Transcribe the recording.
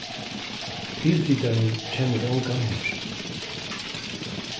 tilflytarin kennir ongan her